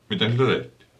miten sitä tehtiin